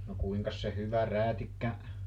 no kuinkas se hyvä räätikkä